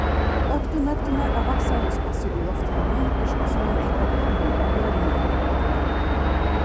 øktu nøgdirnar av vakstrarhúsgassi í lofthavinum virka sum ein eyka bjálving av jørðini